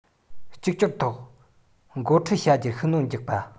གཅིག གྱུར ཐོག འགོ ཁྲིད བྱ རྒྱུར ཤུགས སྣོན རྒྱག པ